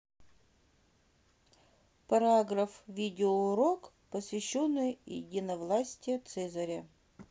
параграф видеоурок посвященный единовластия цезаря